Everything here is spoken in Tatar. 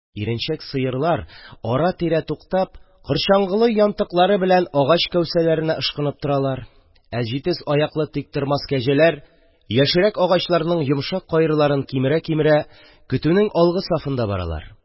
Иренчәк сыерлар ара-тирә туктап корчаңгылы янтыклары белән агач кәүсәләренә ышкынып торалар, ә җитез аяклы тиктормас кәҗәләр яшьрәк агачларның йомшак кайрыларын кимерә-кимерә көтүнең алгы сафында баралар;